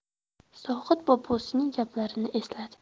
zohid bobosining gaplarini esladi